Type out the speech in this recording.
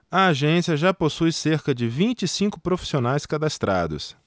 a agência já possui cerca de vinte e cinco profissionais cadastrados